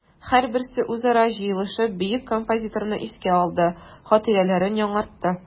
Һәрберсе үзара җыелышып бөек композиторны искә алды, хатирәләрен яңартты.